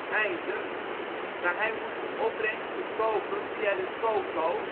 einde, maar hij moest de opbrengst verkopen via de KoKo